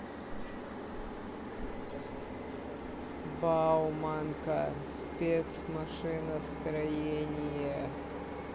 бауманка спецмашиностроение